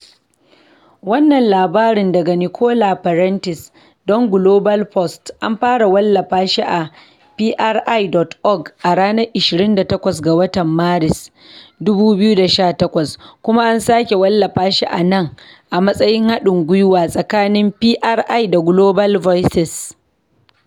Wannan labarin daga Nicola Prentis don GlobalPost an fara wallafa shi a PRI.org a ranar 28 ga watan Maris, 2018, kuma an sake wallafa shi a nan a matsayin haɗin gwiwa tsakanin PRI da Global Voices.